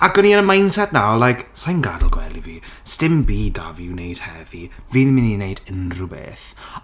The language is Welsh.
Ac o'n i yn y mindset 'na o like "Sa i'n gadel gwely fi. 'Sdim byd 'da fi i wneud heddi. Fi'm yn mynd i wneud unrywbeth."